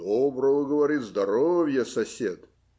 - Доброго, - говорит, - здоровья, сосед.